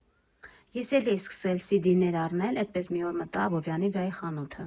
Ես էլ էի սկսել սիդիներ առնել, էդպես մի օր մտա Աբովյանի վրայի խանութը։